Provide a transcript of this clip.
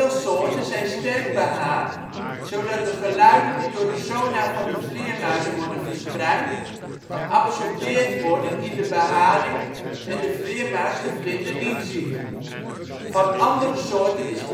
soorten zijn sterk behaard, zodat de geluiden die door de sonar van de vleermuis worden verspreid geabsorbeerd worden in de beharing en de vleermuis de vlinder niet ´ziet´. Van andere soorten is